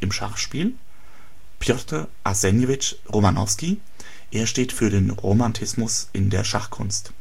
Schachspiel Pjotr Arsenjewitsch Romanowski (Romantismus in der Schachkunst